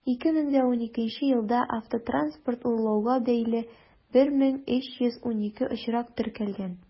2012 елда автомототранспорт урлауга бәйле 1312 очрак теркәлгән.